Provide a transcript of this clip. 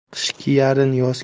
qish kiyarin yoz